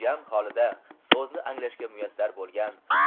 jam holida so'zni anglashga muyassar bo'lgan